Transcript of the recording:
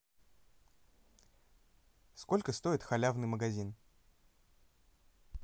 сколько стоит халявный магазин